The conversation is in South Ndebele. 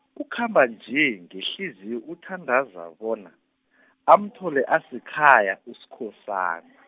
ukhamba nje ngehliziyo uthandaza bona , amthole asekhaya Uskhosana.